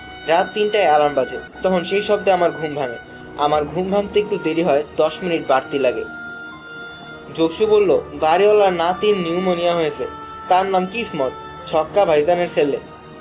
রাত তিনটায় অ্যালার্ম বাজে তখন সেই শব্দে আমার ঘুম ভাঙে আমার ঘুম ভাঙতে একটু দেরি হয় দশ মিনিট বাড়তি লাগে জসু বলল বাড়িওয়ালার নাতির নিউমােনিয়া হয়েছে। তার নাম কিসমত ছক্কা ভাইজানের ছেলে